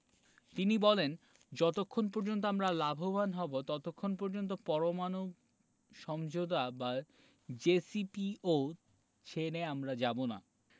তিনি বলেন যতক্ষণ পর্যন্ত আমরা লাভবান হব ততক্ষণ পর্যন্ত পরমাণু সমঝোতা বা জেসিপিও ছেড়ে আমরা যাব না